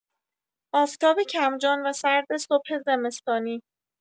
آفتاب کم‌جان و سرد صبح زمستانی